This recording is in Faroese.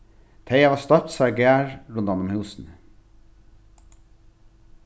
tey hava stoypt sær garð rundan um húsini